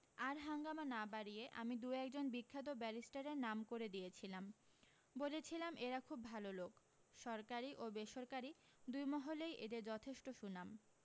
আর হাঙ্গামা না বাড়িয়ে আমি দু একজন বিখ্যাত ব্যারিষ্টারের নাম করে দিয়েছিলাম বলেছিলাম এরা খুব ভালো লোক সরকারী ও বেসরকারি দুই মহলেই এদের যথেষ্ট সুনাম